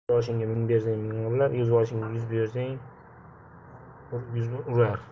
mingboshiga ming bersang ming'irlar yuzboshiga yuz bersang yuz urar